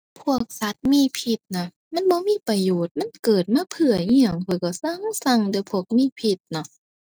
พวกสัตว์มีพิษน่ะ มันบ่มีประโยชน์ มันเกิดมาเพื่ออิหยัง ข้อยก็ซังซังเด้อ พวกมีพิษน่ะ